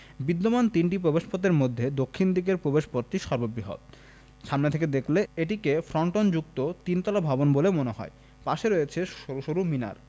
বিদ্যমান তিনটি প্রবেশপথের মধ্যে দক্ষিণ দিকের প্রবেশপথটি সর্ববৃহৎ সামনে থেকে দেখলে এটিকে ফ্রন্টনযুক্ত তিন তলা ভবন বলে মনে হয় পাশে রয়েছে সরু সরু মিনার